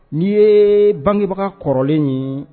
N'i ye bangebaga kɔrɔlen ye